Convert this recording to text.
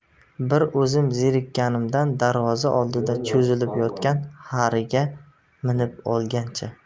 bir o'zim zerikkanimdan darvoza oldida cho'zilib yotgan xariga minib olgancha